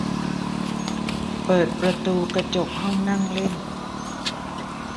เปิดประตูกระจกห้องนั่งเล่น